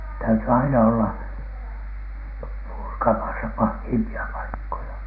täytyi aina olla purkamassa pahimpia paikkoja